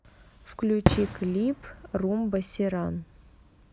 включи клип rumba сиран